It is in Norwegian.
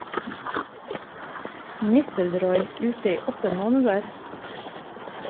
Nistelrooy ute i åtte måneder?